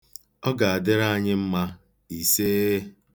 Ọ ga-adịrị gị mma, isee!